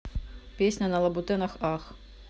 песня на лабутенах ах